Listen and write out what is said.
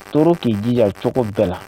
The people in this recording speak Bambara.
Toro te di yan cogo bɛɛ la.